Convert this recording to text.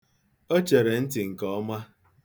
O chere ntị nke ọma.